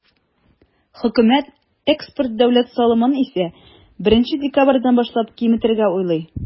Хөкүмәт экспорт дәүләт салымын исә, 1 декабрьдән башлап киметергә уйлый.